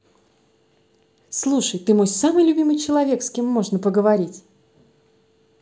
слушай ты мой самый любимый человек с кем можно поговорить